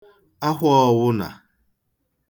ahwọ̀ ọ̄nwụ̄nà